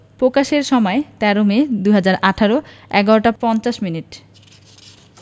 প্রকাশের সময় ১৩ মে ২০১৮ ১১ টা ৫০ মিনিট